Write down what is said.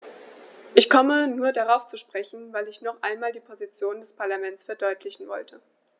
Ich komme nur darauf zu sprechen, weil ich noch einmal die Position des Parlaments verdeutlichen wollte.